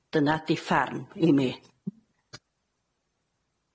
Dyna 'di ffarm i mi.